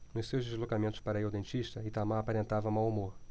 nos seus deslocamentos para ir ao dentista itamar aparentava mau humor